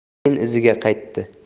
keyin iziga qaytdi